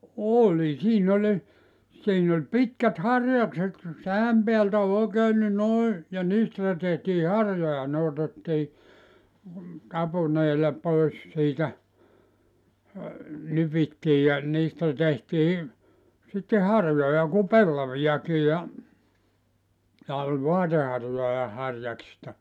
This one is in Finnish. oli siinä oli siinä oli pitkät harjakset sä'än päältä oli oikein niin noin ja niistä tehtiin harjoja ne otettiin tapuneella pois siitä nypittiin ja niistä tehtiin sitten harjoja kuin pellaviakin ja ja oli vaateharjoja harjaksista